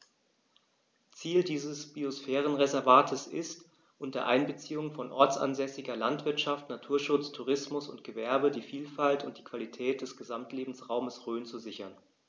Ziel dieses Biosphärenreservates ist, unter Einbeziehung von ortsansässiger Landwirtschaft, Naturschutz, Tourismus und Gewerbe die Vielfalt und die Qualität des Gesamtlebensraumes Rhön zu sichern.